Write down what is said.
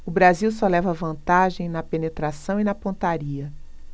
o brasil só leva vantagem na penetração e na pontaria